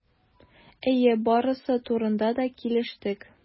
Әйе, барысы турында да килештек.